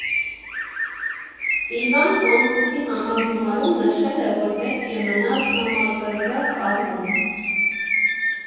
Սիլվան Կոմկուսի համագումարում նշել է, որ պետք է մնալ ԽՄԿԿ կազմում։